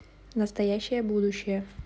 настоящее будущее